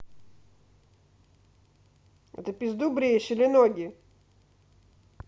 а ты пизду бреешь или ноги